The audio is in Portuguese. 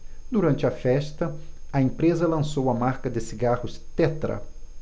durante a festa a empresa lançou a marca de cigarros tetra